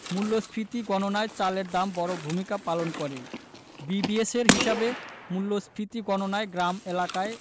মূল্যস্ফীতি গণনায় চালের দাম বড় ভূমিকা পালন করে বিবিএসের হিসাবে মূল্যস্ফীতি গণনায় গ্রাম এলাকায়